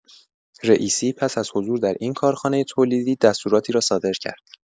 رئیسی پس از حضور در این کارخانه تولیدی دستوراتی را صادر کرد.